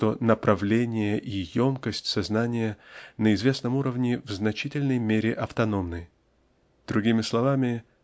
что направление и емкость сознания на известном уровне в значительной мере автономны. Другими словами